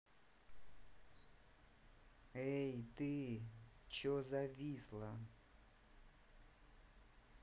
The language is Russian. эй ты че зависла